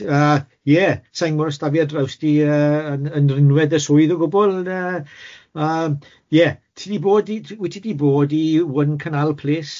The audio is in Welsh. Yy ie sa'n gwbo os 'da fi ar draws ti yy yn yn rinwed dy swydd o gwbwl yy yy ie ti 'di bod i wyt ti 'di bod i one canal place?